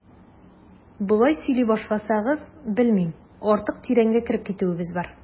Болай сөйли башласагыз, белмим, артык тирәнгә кереп китүебез бар.